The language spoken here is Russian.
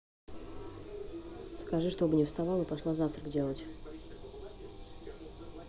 скажи чтобы не вставал и пошла завтрак делать